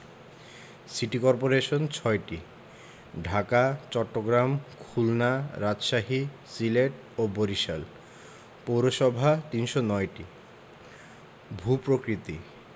city corporation ৬টি ঢাকা চট্টগ্রাম খুলনা রাজশাহী সিলেট ও বরিশাল পৌরসভা ৩০৯টি ভূ প্রকৃতি